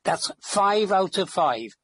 That's five out of five.